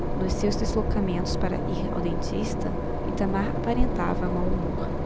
nos seus deslocamentos para ir ao dentista itamar aparentava mau humor